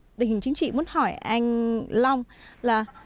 hình chính trị muốn hỏi anh long là